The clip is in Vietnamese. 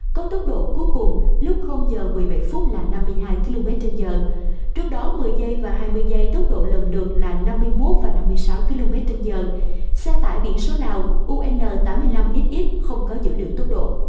có tốc độ cuối cùng lúc h là km h trước đó s và s tốc độ lần lượt là và km h xe tải biển số lào un xx không có dữ liệu tốc độ